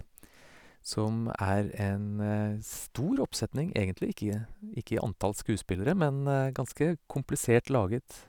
Som er en stor oppsetning, egentlig ikke ikke i antall skuespillere, men ganske komplisert laget.